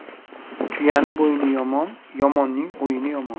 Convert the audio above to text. tuyaning bo'yni yomon yomonning o'yini yomon